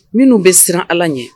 Minnu bɛ siran Ala ɲɛ